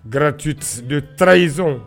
Gratuite de trahison